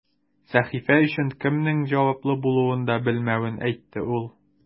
Сәхифә өчен кемнең җаваплы булуын да белмәвен әйтте ул.